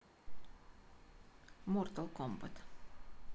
mortal kombat